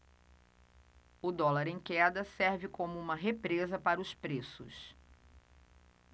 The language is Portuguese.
o dólar em queda serve como uma represa para os preços